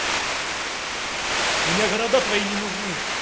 меня города твои не нужны